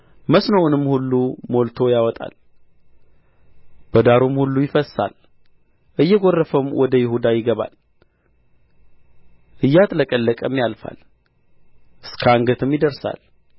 መስኖውንም ሁሉ ሞልቶ ይወጣል በዳሩም ሁሉ ላይ ይፈስሳል እየጐረፈም ወደ ይሁዳ ይገባል እያጥለቀለቀም ያልፋል እስከ አንገትም ይደርሳል